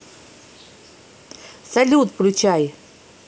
салют включай